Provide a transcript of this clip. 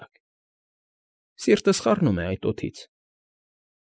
Տակ,֊ սիրտս խառնում է այդ հոտից։